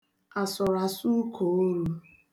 àsụ̀rụ̀àsụ̀ ukòorū